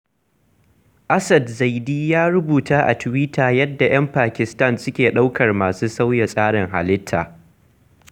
Asad Zaidi ya rubuta a Tuwita yadda 'yan Pakistan suke ɗaukar masu sauya tsarin halitta: